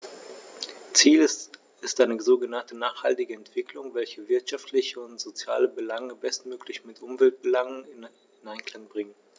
Ziel ist eine sogenannte nachhaltige Entwicklung, welche wirtschaftliche und soziale Belange bestmöglich mit Umweltbelangen in Einklang bringt.